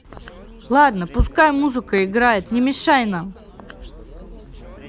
ладно пускай музыка играет не мешай нам